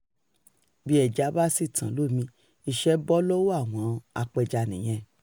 Bí ẹjá bá sì tán lómi, iṣẹ́ bọ́ lọ́wọ́ àwọn apẹja nìyẹn.